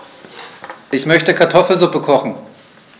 Ich möchte Kartoffelsuppe kochen.